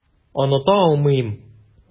Оныта алмыйм.